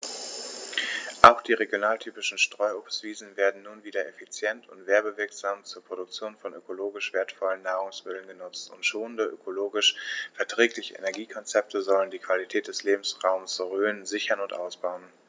Auch die regionaltypischen Streuobstwiesen werden nun wieder effizient und werbewirksam zur Produktion von ökologisch wertvollen Nahrungsmitteln genutzt, und schonende, ökologisch verträgliche Energiekonzepte sollen die Qualität des Lebensraumes Rhön sichern und ausbauen.